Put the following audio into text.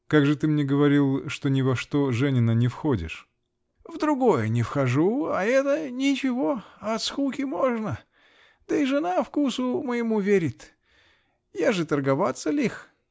-- Как же ты мне говорил, что ни во что женино не входишь? -- В другое не вхожу. А это. ничего. От скуки -- можно. Да и жена вкусу моему верит. Я ж и торговаться лих.